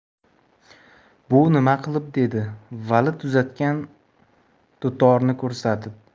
bu nima qiliq dedi vali tuzatgan dutorni ko'rsatib